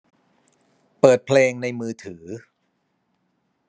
เปิดเพลงในมือถือ